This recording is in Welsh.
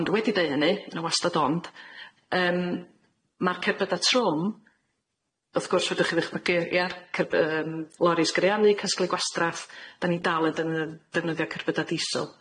ond wedi deu hynny yn wastad ond yym ma'r cerbyda trwm wrth gwrs rwydwch chi'n ddychmygu ia cerby- yym loris gareanu casglu gwastraff dan ni'n daled yn y defnyddio cerbyda diesel.